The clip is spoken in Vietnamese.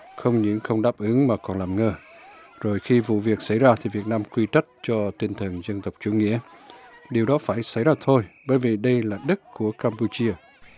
không những không đáp ứng mà còn làm ngơ rồi khi vụ việc xảy ra thì việt nam quy trách cho tinh thần dân tộc chủ nghĩa điều đó phải xảy ra thôi bởi vì đây là đất của cam pu chia